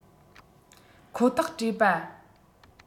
ཁོ ཐག བྲོས པ